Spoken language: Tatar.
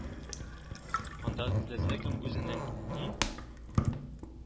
Анда теләсә кем үзенең ни